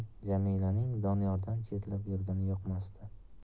chetlab yurgani yoqmasdi